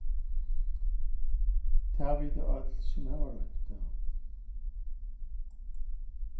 tað vita øll sum hava roynt tað